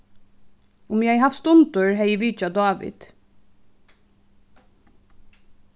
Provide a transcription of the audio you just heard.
um eg hevði havt stundir hevði eg vitjað dávid